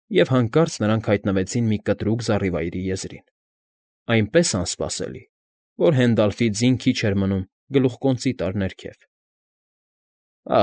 Եվ հանկարծ նրանք հայտնվեցին մի կտրուկ զառիվայրի եզրին, այնպես անսպասելի, որ Հենդալֆի ձին քիչ էր մնում գլուխկոնծի տար ներքև։ ֊